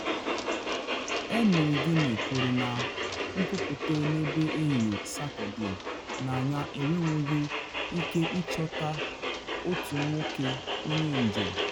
Air Niugini kwuru na nkwupute n’ebe ehihie Satọde, na ya enwenwughi ike ịchọta otu nwoke onye njem.